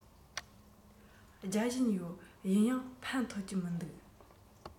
རྒྱག བཞིན ཡོད ཡིན ཡང ཕན ཐོགས ཀྱི མི འདུག